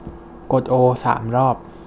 กดโอสามรอบ